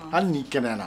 Hali ni tɛmɛna na